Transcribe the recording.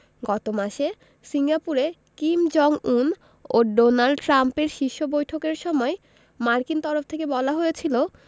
গত মাসে সিঙ্গাপুরে কিম জং উন ও ডোনাল্ড ট্রাম্পের শীর্ষ বৈঠকের সময় মার্কিন তরফ থেকে বলা হয়েছিল